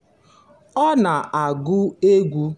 Ọ na-agụ egwu: